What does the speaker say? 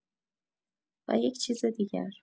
و یک چیز دیگر